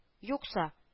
Юкса